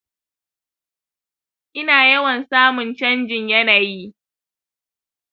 ina yawan samun canjin yanayi